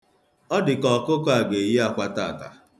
Ọ dịka ọkụkụ a ga-eyi akwa taata.